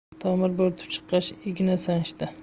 tomir bo'rtib chiqqach igna sanchdi